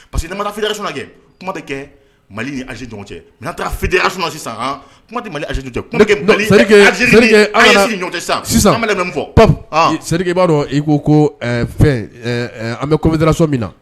Parce que ni mana fiskɛ kuma tɛ kɛ mali aliz cɛ mɛ fis sisan kuma tɛ mali sisan an min fɔ pap sedike i b'a dɔn i ko ko an bɛdsɔ min na